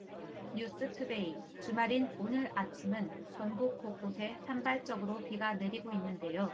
뉴스투데이 주말인 오늘 아침은 전국 곳곳에 산발적으로 비가 내리고 있는데요